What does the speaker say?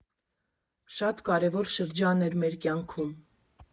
Շատ կարևոր շրջան էր մեր կյանքում։